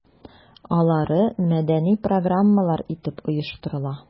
Алары мәдәни программалар итеп оештырыла.